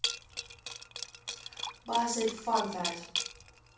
bastard fuck that